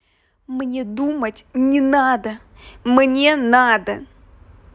мне думать не надо мне надо